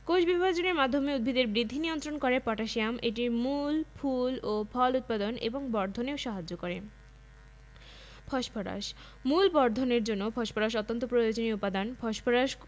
কোষবিভাজনের মাধ্যমে উদ্ভিদের বৃদ্ধি নিয়ন্ত্রণ করে পটাশিয়াম এটি মূল ফুল ও ফল উৎপাদন এবং বর্ধনেও সাহায্য করে ফসফরাস মূল বর্ধনের জন্য ফসফরাস অত্যন্ত প্রয়োজনীয় উপাদান ফসফরাস